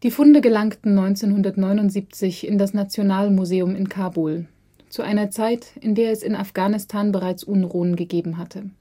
Funde gelangten 1979 in das Nationalmuseum in Kabul, zu einer Zeit in der es in Afghanistan bereits Unruhen gegeben hatte